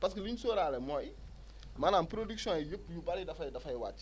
parce que lu ñu sóoraale mooy maanaam production yi yëpp yu bëri dafay dafay wàcc